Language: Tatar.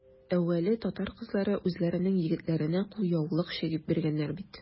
Әүвәле татар кызлары үзләренең егетләренә кулъяулык чигеп биргәннәр бит.